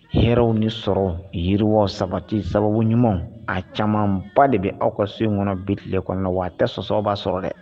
Hɛrɛw ni sɔrɔ yiriwa sabati sababuɲuman a caman ba de bɛ aw ka so in kɔnɔ bile kɔnɔ wa a tɛ sɔsɔba sɔrɔ dɛ